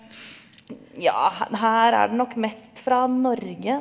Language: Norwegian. ja her er det nok mest fra Norge.